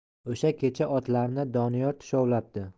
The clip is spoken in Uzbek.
o'sha kecha otlarni doniyor tushovlabdi